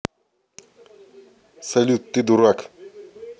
салют ты дурак